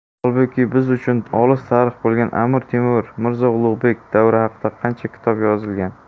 holbuki biz uchun olis tarix bo'lgan amir temur mirzo ulug'bek davri haqida qancha kitoblar yozilgan